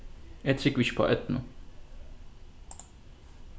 eg trúgvi ikki upp á eydnu